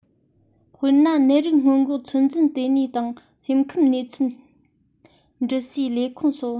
དཔེར ན ནད རིགས སྔོན འགོག ཚོད འཛིན ལྟེ གནས དང སེམས ཁམས གནས ཚུལ འདྲི སའི ལས ཁུངས སོགས